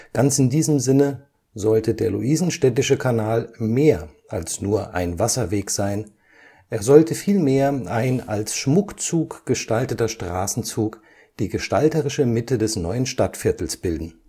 Ganz in diesem Sinne sollte der Luisenstädtische Kanal mehr als nur ein Wasserweg sein, er sollte vielmehr ein als Schmuckzug gestalteter Straßenzug die gestalterische Mitte des neuen Stadtviertels bilden